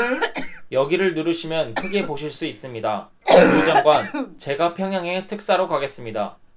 여기를 누르시면 크게 보실 수 있습니다 류 장관 제가 평양에 특사로 가겠습니다